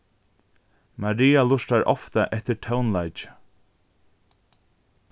maria lurtar ofta eftir tónleiki